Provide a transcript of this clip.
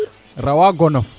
rawa gonof